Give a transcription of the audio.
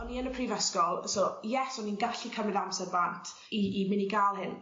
O'n i yn y prifysgol so ie so o'n i'n gallu cymryd amser bant i i myn' i ga'l hyn